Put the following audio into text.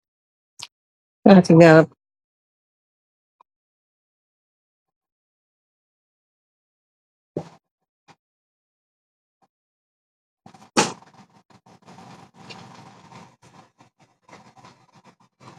Tatti garrap la